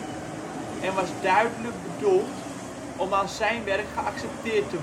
en was duidelijk bedoeld om als zijn werk geaccepteerd